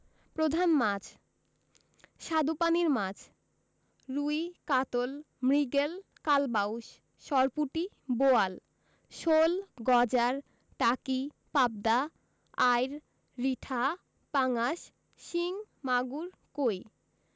প্রধান মাছঃ স্বাদুপানির মাছ রুই কাতল মৃগেল কালবাউস সরপুঁটি বোয়াল শোল গজার টাকি পাবদা আইড় রিঠা পাঙ্গাস শিং মাগুর কৈ